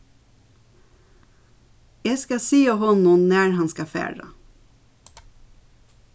eg skal siga honum nær hann skal fara